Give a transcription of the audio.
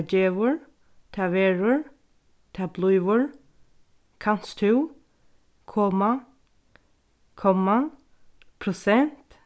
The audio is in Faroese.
tað gevur tað verður tað blívur kanst tú koma komma prosent